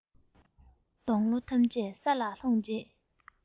སྡོང ལོ ཐམས ཅད ས ལ ལྷུང རྗེས